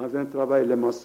A fɛn taba ye yɛlɛmama sɔn